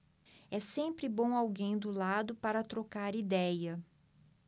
é sempre bom alguém do lado para trocar idéia